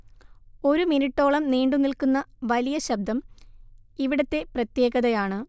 ഒരു മിനുട്ടോളം നീണ്ടുനിൽക്കുന്ന വലിയ ശബ്ദം ഇവിടത്തെ പ്രത്യേകതയാണ്